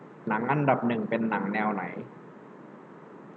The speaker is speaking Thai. หนังอันดับหนึ่งเป็นหนังแนวไหน